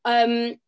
Yym.